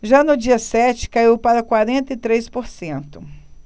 já no dia sete caiu para quarenta e três por cento